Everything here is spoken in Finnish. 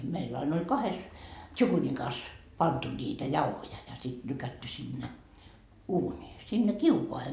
meillä aina oli kahdessa tsukunikassa pantu niitä jauhoja ja sitten lykätty sinne uuniin sinne kiukaaseen